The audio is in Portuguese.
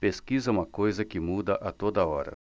pesquisa é uma coisa que muda a toda hora